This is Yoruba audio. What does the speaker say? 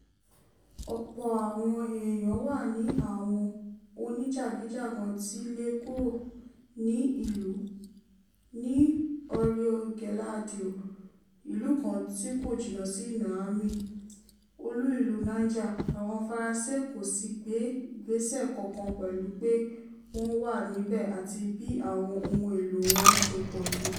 Ọ̀pọ̀ àwọn eèyan wa ni àwọn oníjàgíjàgan ti lè kúrò ní ìlú, ní Ouro Guéladio, ìlú kan tí kò jìnnà sí Niamey, olú ìlú Niger, àwọn faransé kò sì gbé ìgbẹ́sẹ̀ kankan pẹlú pé wọ́n wà níbẹ̀ àti bí àwọn ohun èlò wọn ṣe pọ̀ tó.